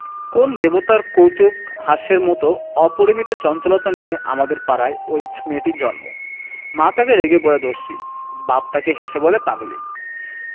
কোন দেবতার কৌতূকহাস্যের মত অপরিমিত চঞ্চলতা নিয়ে আমাদের পাড়ায় ঐ ছোট মেয়েটির জন্ম মা তাকে রেগে বলে দস্যি বাপ তাকে হেসে বলে পাগলি